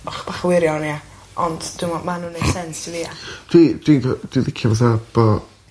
och bach y' wirion ia? Ond dwi'mo ma' nw'n neud sense if a... Dwi dwi fe- dwi licio fatha bo'...